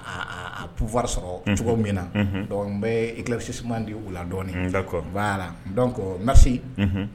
Aaa a pufa sɔrɔ cogo min na n bɛ i kisiman di wuladɔi' don ko nasi